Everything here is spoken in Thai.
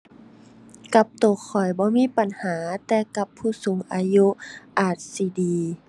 กับตัวข้อยบ่มีปัญหา แต่กับผู้สูงอายุอาจสิดี